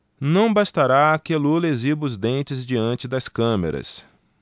não bastará que lula exiba os dentes diante das câmeras